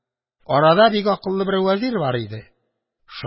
Арада бик акыллы бер вәзир бар иде,